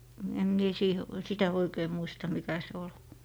en minä - sitä oikein muista mikä se oli